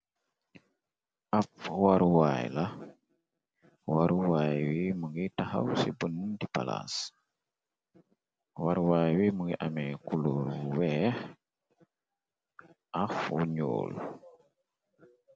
Ab waruwaay la waruwaay wi mu ngi taxaw ci bun di palaas waruwaay wi mu ngi amee kuluur bu weex ak wu ñyool.